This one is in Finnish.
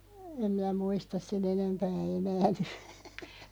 en minä muista sen enempää enää nyt